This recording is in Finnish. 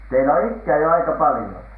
teillä on ikää jo aika paljon